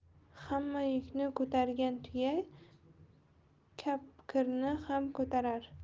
hamma yukni ko'targan tuya kapkirni ham ko'tarar